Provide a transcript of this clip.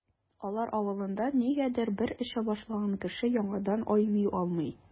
Алар авылында, нигәдер, бер эчә башлаган кеше яңадан айный алмый.